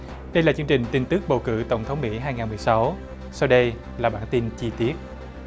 đây là chương trình tin tức bầu cử tổng thống mỹ hai ngàn mười sáu sau đây là bản tin chi tiết